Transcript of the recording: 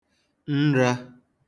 nrā